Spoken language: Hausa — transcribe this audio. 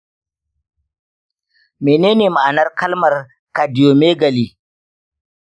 menene ma'anar kalmar cardiomegaly?